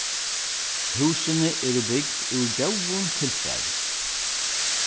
húsini eru bygd úr góðum tilfari